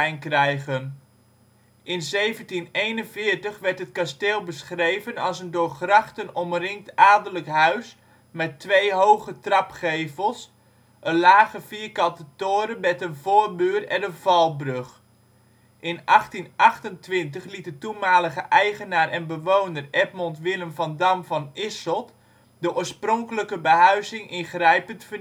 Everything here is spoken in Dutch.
krijgen. In 1741 werd het kasteel beschreven als een door grachten omringd adellijk huis met twee hoge trapgevels, een lage vierkante toren met een voormuur en een valbrug. In 1828 liet de toenmalige eigenaar en bewoner Edmond Willem van Dam van Isselt de oorspronkelijke behuizing ingrijpend